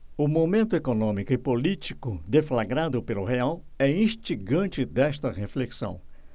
o momento econômico e político deflagrado pelo real é instigante desta reflexão